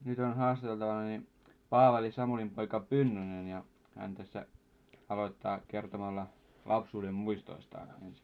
nyt on haastateltavani Paavali Samulinpoika Pynnönen ja hän tässä aloittaa kertomalla lapsuudenmuistoistaan